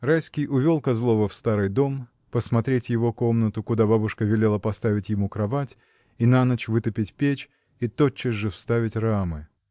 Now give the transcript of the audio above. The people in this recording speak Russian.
Райский увел Козлова в старый дом посмотреть его комнату, куда бабушка велела поставить ему кровать и на ночь вытопить печь и тотчас же вставить рамы.